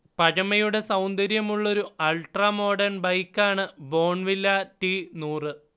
പഴമയുടെ സൗന്ദര്യമുള്ളൊരു അൾട്രാമോഡേൺ ബൈക്കാണ് ബോൺവില്ല ടി നൂറ്